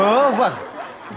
vớ vẩn